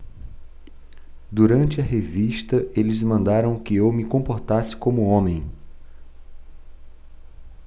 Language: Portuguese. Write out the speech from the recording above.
durante a revista eles mandaram que eu me comportasse como homem